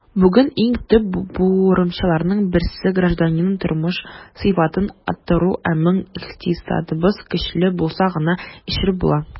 Бүген иң төп бурычларның берсе - гражданнарның тормыш сыйфатын арттыру, ә моңа икътисадыбыз көчле булса гына ирешеп була.